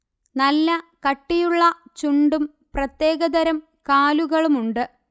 നല്ല കട്ടിയുള്ള ചുണ്ടും പ്രത്യേകതരം കാലുകളുമുണ്ട്